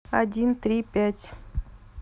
один три пять